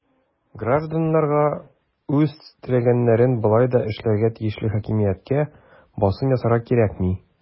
Гражданнарга үз теләгәннәрен болай да эшләргә тиешле хакимияткә басым ясарга кирәкми.